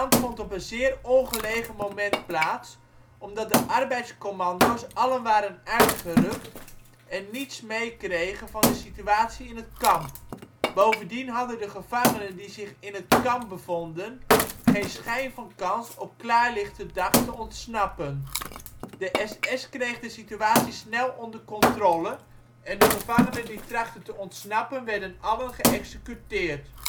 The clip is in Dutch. vond op een zeer ongelegen moment plaats, omdat de arbeidscommando 's allen waren uitgerukt en niets meekregen van de situatie in het kamp. Bovendien hadden de gevangenen die zich in het kamp bevonden geen schijn van kans op klaarlichte dag te ontsnappen. De SS kreeg de situatie snel onder controle en de gevangenen die trachtten te ontsnappen werden allen geëxecuteerd. Het